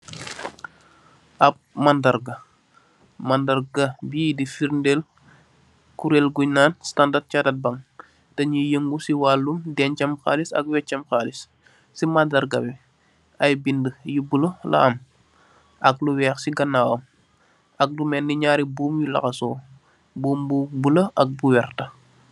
Ap mandarga, mandarga búy di ferdël kurel guñ nan Standard Charter bank, dajèè yangu ci walum deccam xalis ak weccam xalis. Ci mandarga bi ay bindi yu bula la am ak lu wèèx si ganaw wam ak lu melni ñaari buum lu laxasu buum bu bula ak bu werta.